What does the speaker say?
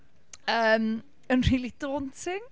yym, yn rili daunting.